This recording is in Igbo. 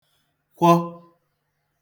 kwọ